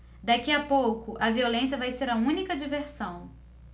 daqui a pouco a violência vai ser a única diversão